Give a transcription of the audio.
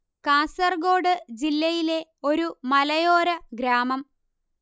കാസർഗോഡ് ജില്ലയിലെ ഒരു മലയോര ഗ്രാമം